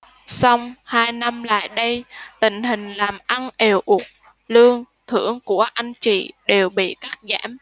song hai năm lại đây tình hình làm ăn èo uột lương thưởng của anh chị đều bị cắt giảm